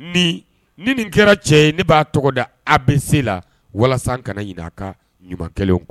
Ni, ni nin kɛra cɛ ye ne b'a tɔgɔ da A B C la walasa n ka na ɲina a ka ɲuman kɛlenw kɔ